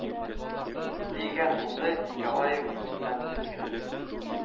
Дигән булды николаев гамьсез генә